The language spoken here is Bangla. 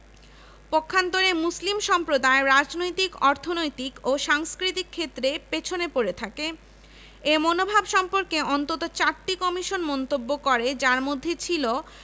আনোয়ার পাশা বাংলা বিভাগ ড. ফজলুর রহমান মৃত্তিকা বিভাগ গিয়াসউদ্দিন আহমদ ইতিহাস বিভাগ ড. ফয়জুল মহি শিক্ষা ও গবেষণা ইনস্টিটিউট